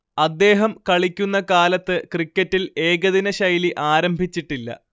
അദ്ദേഹം കളിക്കുന്ന കാലത്ത് ക്രിക്കറ്റിൽ ഏകദിനശൈലി ആരംഭിച്ചിട്ടില്ല